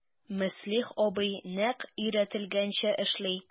Мөслих абый нәкъ өйрәтелгәнчә эшли...